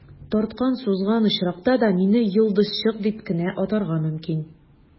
Тарткан-сузган очракта да, мине «йолдызчык» дип кенә атарга мөмкин.